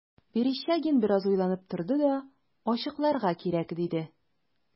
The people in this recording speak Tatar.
Верещагин бераз уйланып торды да: – Ачыкларга кирәк,– диде.